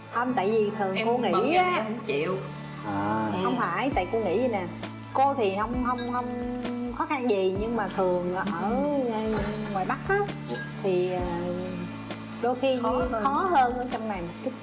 không tại vì cô nghĩ á cô nghĩ vậy nè cô thì không không khó khăn gì nhưng thường ở ngoài bắc đôi khi khó khăn ở trong này